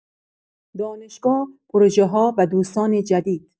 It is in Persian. دانشگاه، پروژه‌ها و دوستان جدید